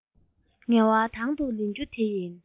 དང དུ ལེན རྒྱུ དེ ཡིན